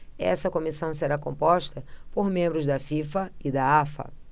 essa comissão será composta por membros da fifa e da afa